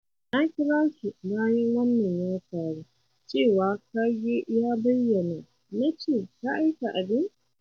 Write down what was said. Na kira shi bayan wannan ya faru, cewa kage ya bayyana, na ce, 'Ka aika abin?'